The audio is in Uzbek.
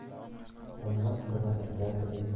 bundan ko'ra ilgarigidek